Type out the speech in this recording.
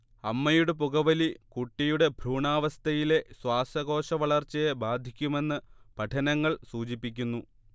അമ്മയുടെ പുകവലി കുട്ടിയുടെ ഭ്രൂണാവസ്ഥയിലെ ശ്വാസകോശവളർച്ചയെ ബാധിക്കുമെന്ന് പഠനങ്ങൾ സൂചിപ്പിക്കുന്നു